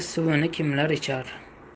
suvini kimlar ichar